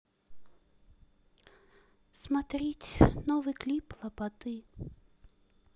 смотреть новый клип лободы